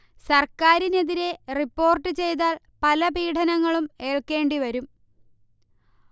സർക്കാരിനെതിരെ റിപ്പോർട്ട് ചെയ്താൽ പല പീഡനങ്ങളും ഏൽക്കേണ്ടിവരും